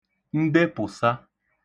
ndepụ̀sa